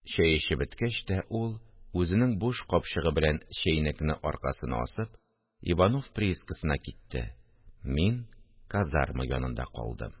Чәй эчеп беткәч тә, ул, үзенең буш капчыгы белән чәйнекне аркасына асып, иванов приискасына китте, мин казарма янында калдым